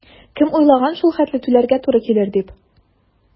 Кем уйлаган шул хәтле түләргә туры килер дип?